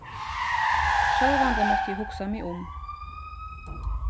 sjálvandi mátti eg hugsa meg um